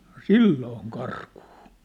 no silloin karkuun